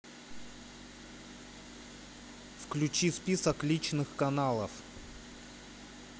включи список личных каналов